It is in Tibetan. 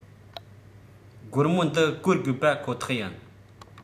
སྒོར མོ འདི བཀོལ དགོས པ ཁོ ཐག ཡིན